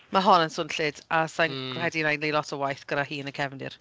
Ma' hon yn swnllyd. A sa i'n... m-hm. ...credu wna i wneud lot o waith gyda hi yn y cefndir.